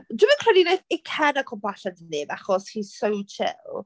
Dwi'm yn credu wneith Ekena cwympo allan 'da neb achos he's so chill.